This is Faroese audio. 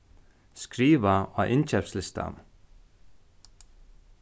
skriva á innkeypslistan